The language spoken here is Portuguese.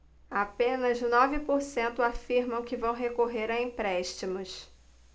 apenas nove por cento afirmam que vão recorrer a empréstimos